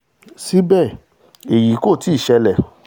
Síbẹ̀ èyí kò tìí ṣẹlẹ̀.